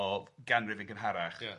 ...o ganrif ein gynharach... Ia.